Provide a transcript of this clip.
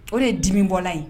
O de dimi bɔra yen